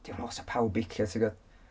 Dwi'n meddwl dylsa pawb beicio ti'n gwybod?